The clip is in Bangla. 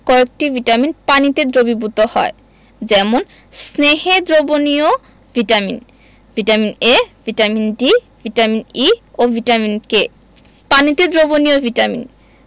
কয়েকটি ভিটামিন পানিতে দ্রবীভূত হয় যেমন স্নেহে দ্রবণীয় vitamin vitamin A vitamin D vitamin E ও ভিটামিন K পানিতে দ্রবণীয় ভিটামিন